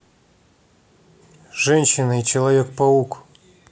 женщина и человек паук